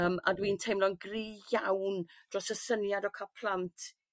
yym a dwi'n teimlo'n gry' iawn dros y syniad o ca' plant